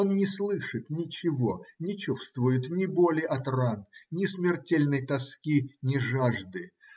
он не слышит ничего, не чувствует ни боли от ран, ни смертельной тоски, ни жажды.